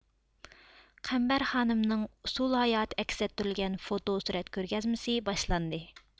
قەمبەرخانىمنىڭ ئۇسسۇل ھاياتىي ئەكس ئەتتۈرۈلگەن فوتو سۈرەت كۆرگەزمىسى باشلاندى